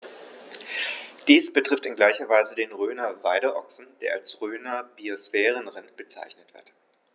Dies betrifft in gleicher Weise den Rhöner Weideochsen, der auch als Rhöner Biosphärenrind bezeichnet wird.